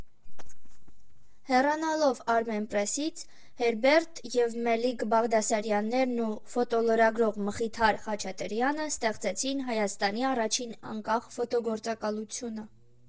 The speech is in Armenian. Հեռանալով «Արմենպրեսից»՝ Հերբերտ և Մելիք Բաղդասարյաններն ու ֆոտոլրագրող Մխիթար Խաչատրյանը ստեղծեցին Հայաստանի առաջին անկախ ֆոտոգործակալությունը։